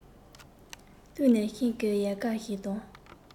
བསྟུན ནས ཤིང གི ཡལ ག ཞིག དང